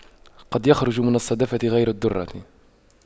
قد يخرج من الصدفة غير الدُّرَّة